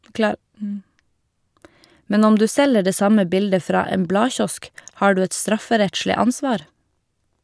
Men om du selger det samme bildet fra en bladkiosk, har du et strafferettslig ansvar?